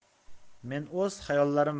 men o'z xayollarim